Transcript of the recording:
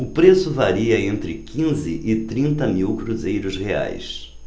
o preço varia entre quinze e trinta mil cruzeiros reais